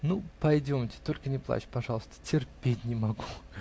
-- Ну, пойдемте; только не плачь, пожалуйста, терпеть не могу!